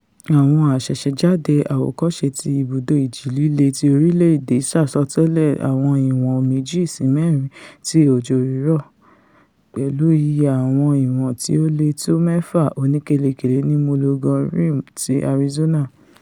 Àwọn àṣẹ̀ṣẹ̀jáde àwòkọ́ṣe ti Ibùdó Ìjì-líle ti orílẹ̀-èdè ṣàsọtẹ́lẹ̀ àwọn ìwọn 2 sí 4 ti òjò-rírọ, pẹ̀lú iye àwọn ìwọn tí ó le tó 6 oníkéle-kèle ní Mologon Rim ti Arizona.